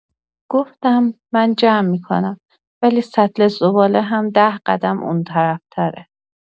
گفتم: «من جمع می‌کنم، ولی سطل زباله هم ده قدم اون‌طرف‌تره.»